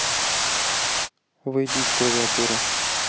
выйди из клавиатуры